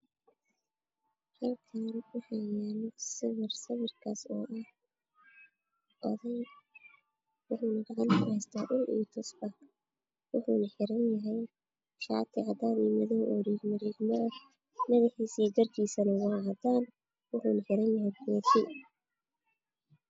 Halkan waxaa yaalo Sawir sawir kaan Waa oday waxa uu gacanta ku heestaa tuxbax iyo ul waxa uu xiran yahay shaati cadaan iyo madow oo hariigmo hariimo ah madaxiisa iyo gar kiisa waa cadaan waxa uuna xiran yahay koofi